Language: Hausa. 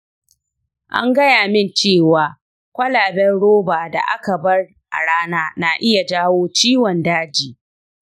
an gaya min cewa kwalaben roba da aka bar a rana na iya jawo ciwon daji.